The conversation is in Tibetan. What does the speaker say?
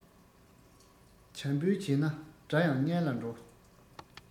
བྱམས པོས བྱས ན དགྲ ཡང གཉེན ལ འགྲོ